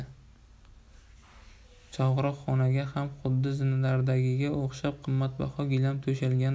chog'roq xonaga ham xuddi zinalardagiga o'xshab qimmatbaho gilam to'shalgan